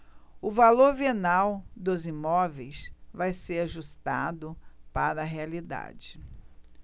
o valor venal dos imóveis vai ser ajustado para a realidade